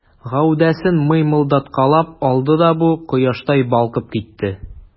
Гәүдәсен мыймылдаткалап алды да бу, кояштай балкып китте.